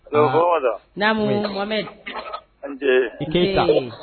Naamu Muhamɛdi;A ni ce; N se;I keyita.